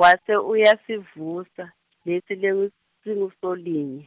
wase uyasivusa, lesi legu- -singuSolinye.